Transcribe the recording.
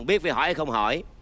biết phải hỏi hay không hỏi